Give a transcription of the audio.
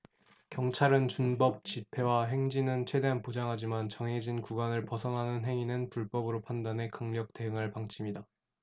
경찰은 준법 집회와 행진은 최대한 보장하지만 정해진 구간을 벗어나는 행위는 불법으로 판단해 강력 대응할 방침이다